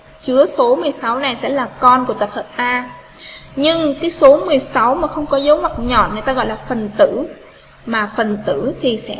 chưa số này sẽ là con của tập hợp a nhưng cái số mà không có dấu mặt nhỏ người ta gọi là phần tử mà phần tử thì sẽ